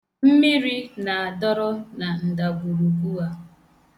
Mmiri na-adọrọ na ndagwurugwu a.